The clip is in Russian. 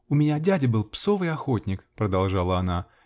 -- У меня дядя был псовый охотник, -- продолжала она.